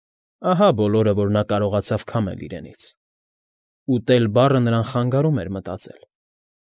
Ահա բոլորը, ինչ նա կարողացավ քամել իրենից. «ուտել» բառը նրան խանգարում էր մտածել։